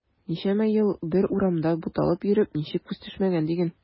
Ничәмә ел бер урамда буталып йөреп ничек күз төшмәгән диген.